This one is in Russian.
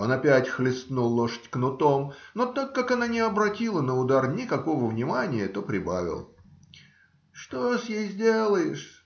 Он опять хлестнул лошадь кнутом, но так как она не обратила на удар никакого внимания, то прибавил - Что с ей сделаешь